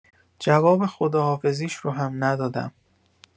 جواب خداحافظیش رو هم ندادم.